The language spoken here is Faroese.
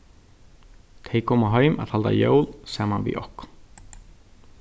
tey koma heim at halda jól saman við okkum